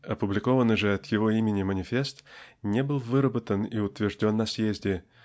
опубликованный же от его имени манифест не был выработан и утвержден на съезде